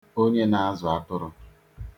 onye na-azụ atụrụ